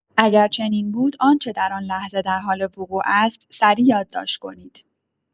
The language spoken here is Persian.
اگر چنین بود، آنچه در آن لحظه در حال وقوع است سریع یادداشت کنید.